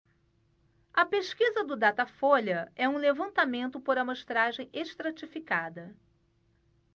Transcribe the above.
a pesquisa do datafolha é um levantamento por amostragem estratificada